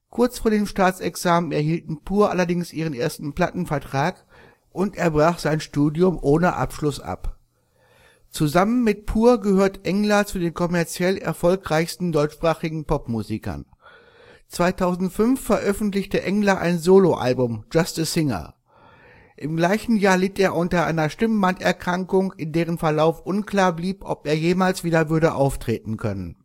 Kurz vor dem Staatsexamen erhielten Pur allerdings ihren ersten Plattenvertrag, und er brach sein Studium ohne Abschluss ab. Zusammen mit Pur gehört Engler zu den kommerziell erfolgreichsten deutschsprachigen Popmusikern. 2005 veröffentlichte Engler ein Soloalbum, Just A Singer. Im gleichen Jahr litt er unter einer Stimmbanderkrankung, in deren Verlauf unklar blieb, ob er jemals wieder würde auftreten können